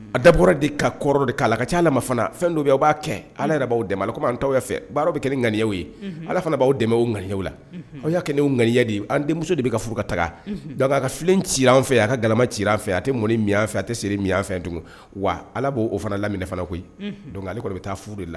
A dabɔɔr de ka kɔrɔ de k'a la ka ca ala fana fɛn dɔ bɛ u b'a kɛ ala yɛrɛ b'aw dɛmɛ ala kɔmi anantɔ fɛ baara bɛ kɛ ŋaniya ye ala fana b'aw dɛmɛ o ŋaniya la aw y'a kɛnɛ o ŋaniya de ye an denmuso de bɛ ka furu ka taga nka a ka fi ci an fɛ a ka galama ci an fɛ a tɛ mɔni miyan fɛ a tɛ seere miyan fɛ tugun wa ala b'o oo fana laminifana koyi don ale kɔrɔ bɛ taa furu de la